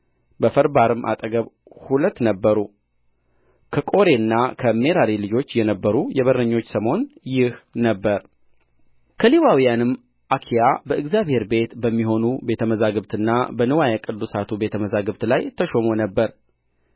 በፈርባርም አጠገብ ሁለት ነበሩ ከቆሬና ከሜራሪ ልጆች የነበሩ የበረኞች ሰሞን ይህ ነበረ ከሌዋውያን አኪያ በእግዚአብሔር ቤት በሚሆኑ ቤተ መዛግብትና በንዋየ ቅድሳቱ ቤተ መዛግብት ላይ ተሾሞ ነበር